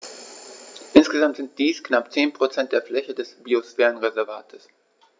Insgesamt sind dies knapp 10 % der Fläche des Biosphärenreservates.